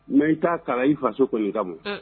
N i ta kalan i faso kɔni ka bon